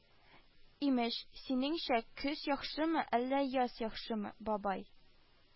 Имеш: “синеңчә, көз яхшымы, әллә яз яхшымы, бабай